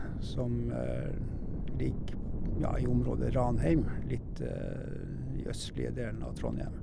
Som l ligger, ja, i området Ranheim, litt i østlige delen av Trondhjem.